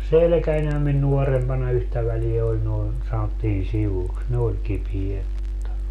selkänihän minun nuorempana yhtä väliä oli noin sanottiin sivuiksi ne oli kipeät mutta